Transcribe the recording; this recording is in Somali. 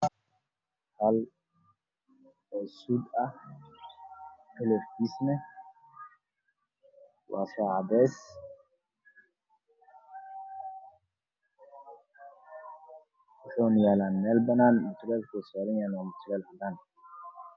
Waa jaakad midabkeedu yahay madow